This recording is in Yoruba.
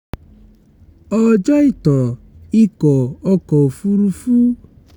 ỌJỌ́ ÌTÀN – Ikọ̀ ọkọ̀ òfuurufú